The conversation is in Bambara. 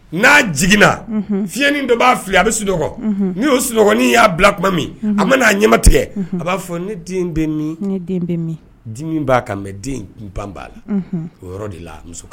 N'a jiginna fiin dɔ b'a fili a bɛ suɔgɔ n' suɔgɔin y'a bila tuma min a ma n'a ɲɛ tigɛ a b'a fɔ ne den bɛ min ne den bɛ min di min b'a ka mɛ den bana la o yɔrɔ de la muso